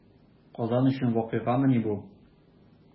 Казан өчен вакыйгамыни бу?